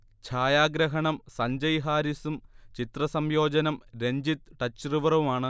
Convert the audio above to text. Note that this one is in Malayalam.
ഛായാഗ്രഹണം സഞ്ജയ് ഹാരിസും ചിത്രസംയോജനം രഞ്ജിത്ത് ടച്ച്റിവറുമാണ്